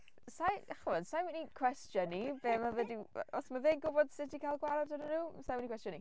Sa i... chimod, sa i'n mynd i cwestiynnu be mae fe 'di... os mae fe'n gwybod sut i gael gwared arnyn nhw, sa i mynd i gwestiynnu.